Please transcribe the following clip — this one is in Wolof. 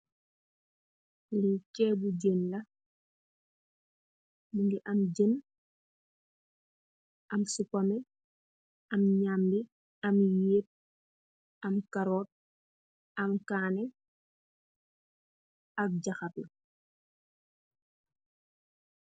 Li chebu jeean la mogi am jeean am supameh aam nyambi aam yeete am carrot aam kani ak jahatu.